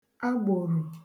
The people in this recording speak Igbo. agbòrò